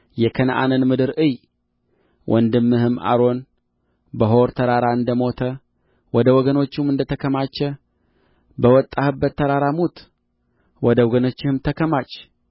የከነዓንን ምድር እይ ወንድምህም አሮን በሖር ተራራ እንደ ሞተ ወደ ወገኖቹም እንደ ተከማቸ በወጣህበት ተራራ ሙት ወደ ወገኖችህም ተከማች